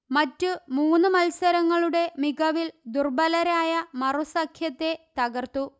മറ്റു മൂന്നു മത്സരങ്ങളുടെ മികവിൽ ദുർബലരായ മറുസഖ്യത്തെ തകർത്തു